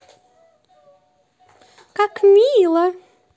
как мило